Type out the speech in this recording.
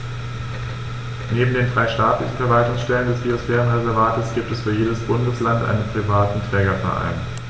Neben den drei staatlichen Verwaltungsstellen des Biosphärenreservates gibt es für jedes Bundesland einen privaten Trägerverein.